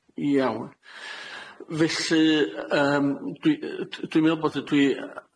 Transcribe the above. Iawn, felly yym dwi yy d- dwi'n meddwl bod y- dwi yy